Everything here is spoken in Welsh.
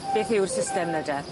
Beth yw'r system 'ny de?